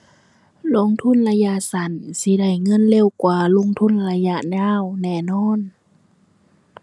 ลงทุนระยะสั้นสิได้เงินเร็วกว่าลงทุนระยะยาวแน่นอน